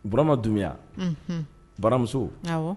Burama Dumbuya baramuso